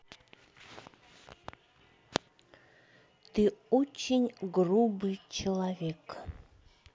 ты очень грубый человек